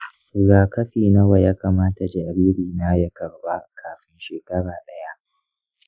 rigakafi nawa ya kamata jaririna ya karba kafin shekara daya?